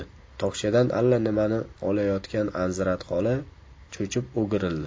tokchadan allanimani olayotgan anzirat xola cho'chib o'girildi